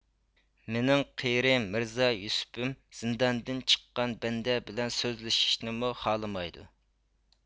مېنىڭ قېرى مىرزا يۈسۈپۈم زىنداندىن چىققان بەندە بىلەن سۆزلىشىشنىمۇ خالىمايدۇ